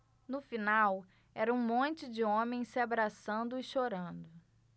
no final era um monte de homens se abraçando e chorando